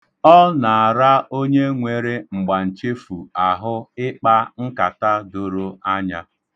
Ọ na-ara onye nwere mgbanchefu ahụ ịkpa nkata doro anya.